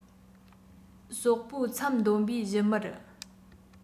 ཟོག པོའི མཚམ འདོན པའི བཞུ མར